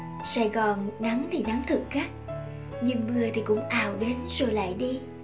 sài gòn nắng thì nắng thật gắt nhưng mưa thì cũng ào đến rồi lại đi